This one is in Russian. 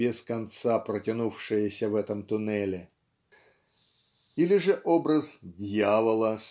без конца протянувшееся в этом туннеле" или же образ "Дьявола